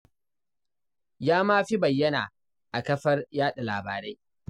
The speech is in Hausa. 'Ya ma fi bayyana a kafar yaɗa labarai.